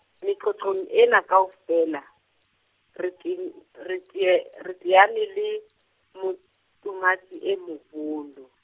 meqoqong ena kaofela re te-, re tee-, re teane le, motomatsi e moholo.